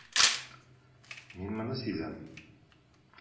Мин моны сизәм.